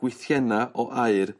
gwithienna o aur